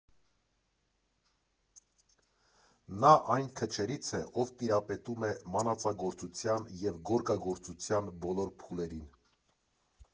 Նա այն քչերից է, ով տիրապետում է մանածագործության և գորգագործության բոլոր փուլերին։